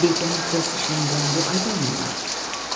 bekamu ko'st ishlangan deb aytolmayman